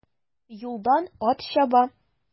Юлдан ат чаба.